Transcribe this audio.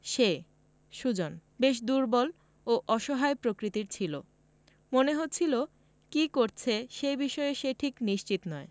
সে সুজন বেশ দুর্বল ও অসহায় প্রকৃতির ছিল মনে হচ্ছিল কী করছে সেই বিষয়ে সে ঠিক নিশ্চিত নয়